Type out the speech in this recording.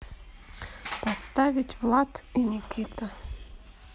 поставить влад и никита